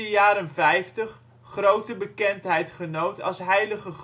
jaren vijftig grote bekendheid genoot als " heilige